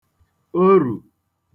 orù